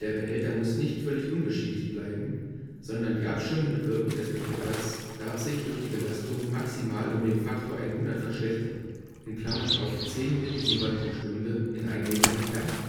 Behälter muss nicht völlig unbeschädigt bleiben, sondern die abschirmende Wirkung des Behälters darf sich durch die Belastung maximal um den Faktor 100 verschlechtern (auf 10 mSv/h (Millisievert pro Stunde in 1 m Entfernung